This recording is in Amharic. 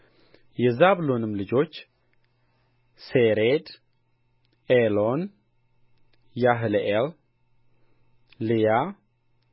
ያዕቆብና ዘሩ ሁሉ ከእርሱ ጋር ወደ ግብፅ መጡ ወንዶች ልጆቹንና የልጆቹን ወንዶች ልጆች ሴቶች ልጆቹንና